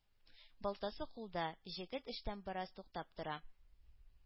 Балтасы кулда, Җегет эштән бераз туктап тора;